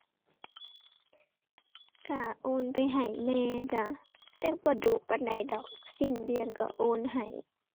ก็โอนไปให้แม่จ้า แต่บ่ดู๋ปานใดดอก สิ้นเดือนก็โอนให้